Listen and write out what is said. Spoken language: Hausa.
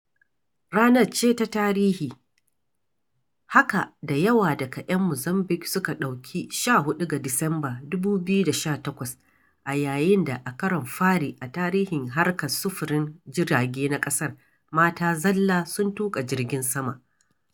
Ranar ce ta tarihi: haka da yawa daga 'yan Mozambiƙue suka ɗauki 14 ga Disamba 2018, a yayin da, a karon fari a tarihin harkar sufurin jirage na ƙasar, mata zalla sun tuƙa jirgin sama.